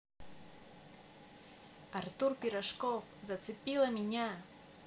артур пирожков зацепила меня